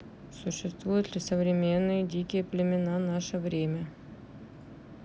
существуют ли современные дикие племена наше время